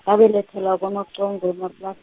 ngabelethelwa kwaMaqongo emaplas-.